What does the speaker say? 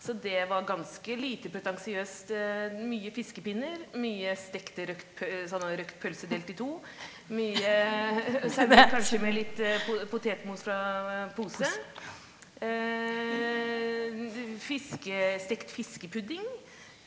så det var ganske lite pretensiøst mye fiskepinner, mye stekte røkt sånne røkt pølse delt i to, mye servert kanskje med litt potetmos fra pose, stekt fiskepudding.